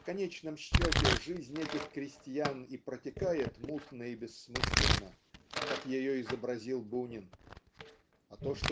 в конечном счете жизнь этих крестьян и протекает мутно и бессмысленно как ее изобразил Бунин. А то